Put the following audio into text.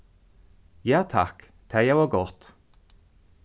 ja takk tað ljóðar gott